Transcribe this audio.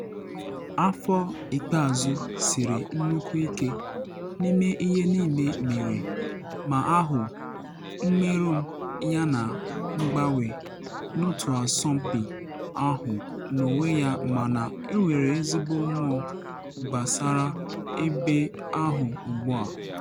Afọ ikpeazụ siri nnukwu ike, n’ime ihe niile mere ma ahụ mmerụ m yana mgbanwe n’otu asọmpi ahụ n’onwe ya mana enwere ezi mmụọ gbasara ebe ahụ ugbu a.